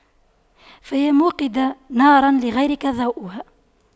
فيا موقدا نارا لغيرك ضوؤها